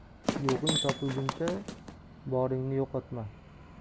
yo'g'ing topilguncha bonngni yo'qotma